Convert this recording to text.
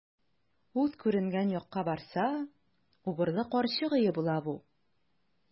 Ут күренгән якка барса, убырлы карчык өе була бу.